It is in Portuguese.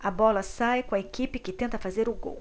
a bola sai com a equipe que tenta fazer o gol